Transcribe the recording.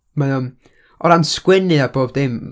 mae o'n... O ran sgwennu a bob dim...